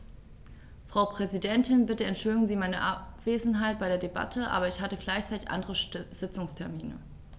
Frau Präsidentin, bitte entschuldigen Sie meine Abwesenheit bei der Debatte, aber ich hatte gleichzeitig andere Sitzungstermine.